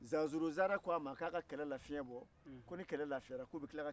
zanzuru zara k'a ma k'a ka kɛlɛ lafiɲɛ bɔ ko n'i kɛlɛ lafiyara k'u bɛ tila ka